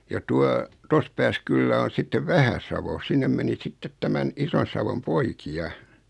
ja tuota tuossa päässä kyllä on sitten Vähä-Savo sinne meni sitten tämän Ison-Savon poikia